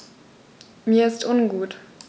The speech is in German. Mir ist ungut.